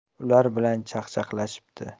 ular bilan chaqchaqlashibdi